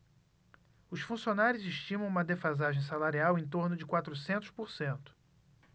os funcionários estimam uma defasagem salarial em torno de quatrocentos por cento